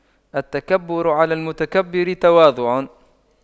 التكبر على المتكبر تواضع